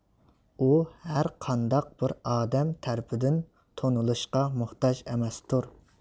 ئۇ ھەرقانداق بىر ئادەم تەرىپىدىن تونۇلۇشقا موھتاج ئەمەستۇر